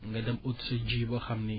nga dem ut sa ji boo xam ni